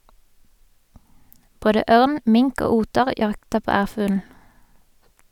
Både ørn, mink og oter jakter på ærfuglen.